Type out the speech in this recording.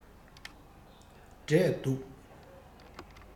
འབྲས འདུག